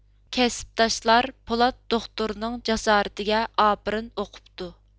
كەسىپداشلار پولات دوختۇرنىڭ جاسارىتىگە ئاپىرىن ئوقۇپتۇ